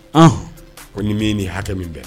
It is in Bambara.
Ko nin min nin hakɛ min bɛɛ